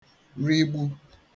rigbu